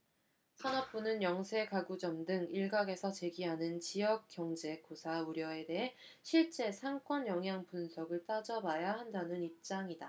산업부는 영세 가구점 등 일각에서 제기하는 지역경제 고사 우려에 대해 실제 상권 영향분석을 따져봐야 한다는 입장이다